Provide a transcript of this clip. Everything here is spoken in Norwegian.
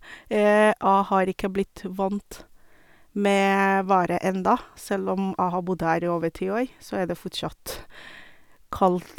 Jeg har ikke blitt vant med været enda, selv om jeg har bodd her over ti år, så er det fortsatt kaldt.